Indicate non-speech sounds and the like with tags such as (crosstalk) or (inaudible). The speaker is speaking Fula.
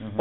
(hesitation) (hesitation)